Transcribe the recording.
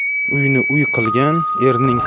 uyni uy qilgan erning